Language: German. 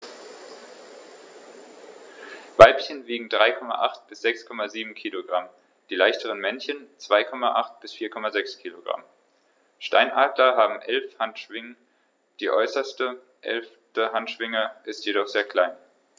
Weibchen wiegen 3,8 bis 6,7 kg, die leichteren Männchen 2,8 bis 4,6 kg. Steinadler haben 11 Handschwingen, die äußerste (11.) Handschwinge ist jedoch sehr klein.